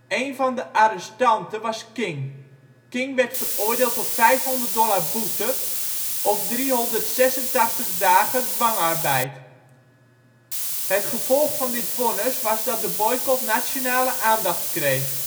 Eén van de arrestanten was King. King werd veroordeeld tot 500 dollar boete of 386 dagen dwangarbeid. Het gevolg van dit vonnis was dat de boycot nationale aandacht kreeg